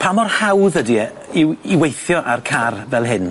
Pa mor hawdd ydi e i w- i weithio ar car fel hyn?